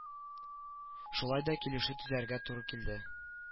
Шулай да килешү төзәргә туры килер